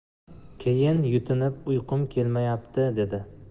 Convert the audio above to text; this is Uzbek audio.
keyin yutunib uyqum kelmayapti dedi